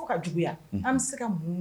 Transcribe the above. Ka dugu an bɛ se ka mun